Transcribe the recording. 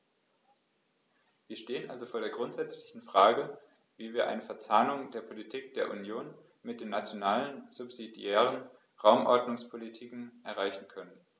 Wir stehen also vor der grundsätzlichen Frage, wie wir eine Verzahnung der Politik der Union mit den nationalen subsidiären Raumordnungspolitiken erreichen können.